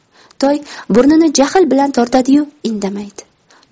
toy burnini jahl bilan tortadi yu indamaydi